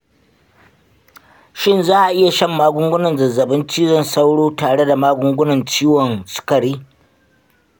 shin za a iya shan magungunan zazzabin cizon sauro tare da magungunan ciwon sukari?